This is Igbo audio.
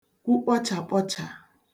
kwu kpọchàkpọchà